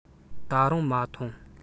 ད རུང མ འཐུངས